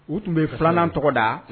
U tun be 2 nan tɔgɔ da